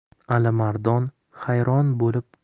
alimardon hayron bo'lib